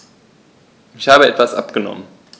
Ich habe etwas abgenommen.